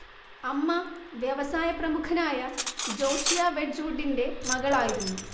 അമ്മ വ്യവസായപ്രമുഖനായ ജോഷിയാ വെഡ്ജ്‌വുഡിന്റെ മകളായിരുന്നു